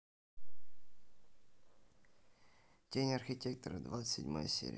тень архитектора двадцать седьмая серия